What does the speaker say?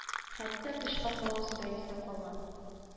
Хәтта тычкан баласы да истә калган